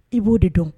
I b'o de don